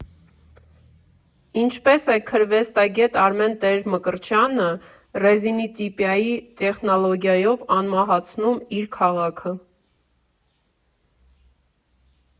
Ինչպես է քրվեստագետ Արմեն Տեր֊Մկրտչյանը ռեզինիտիպիայի տեխնոլոգիայով անմահացնում իր քաղաքը։